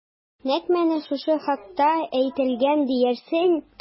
Нәкъ менә шушы хакта әйтелгән диярсең...